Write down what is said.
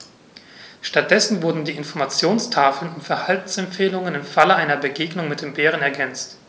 Stattdessen wurden die Informationstafeln um Verhaltensempfehlungen im Falle einer Begegnung mit dem Bären ergänzt.